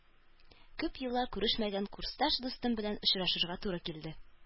Күп еллар күрешмәгән курсташ дустым белән очрашырга туры килде